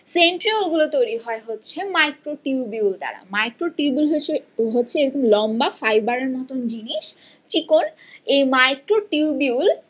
centriole গুলো তৈরি হয় হচ্ছে মাইক্রোটিউবিউল দ্বারা মাইক্রোটিউবিউল এরকম লম্বা ফাইবারের মতন জিনিস চিকন এই মাইক্রোটিউবিউল